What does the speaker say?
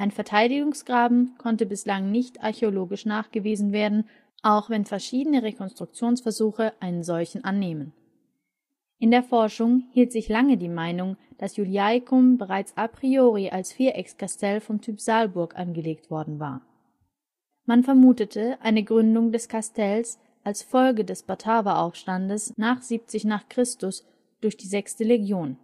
Verteidigungsgraben konnte bislang nicht archäologisch nachgewiesen werden, auch wenn verschiedene Rekonstruktionsversuche einen solchen annehmen. In der Forschung hielt sich lange die Meinung, dass Iuliacum bereits a priori als Viereckskastell vom Typ Saalburg angelegt worden war. Man vermutete eine Gründung des Kastells als Folge des Bataveraufstandes nach 70 n. Chr. durch die VI. Legion